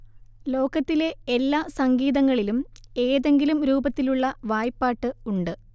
ലോകത്തിലെ എല്ലാ സംഗീതങ്ങളിലും എതെങ്കിലും രൂപത്തിലുള്ള വായ്പ്പാട്ട് ഉണ്ട്